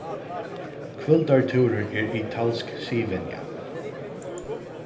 kvøldartúrur er italsk siðvenja